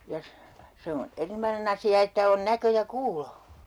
ja se on erinomainen asia että on näkö ja kuulo